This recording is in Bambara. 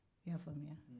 i y'a faamuya